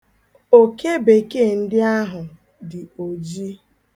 Okebekee ndị ahụ dị oji.